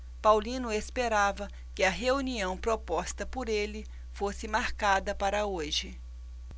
paulino esperava que a reunião proposta por ele fosse marcada para hoje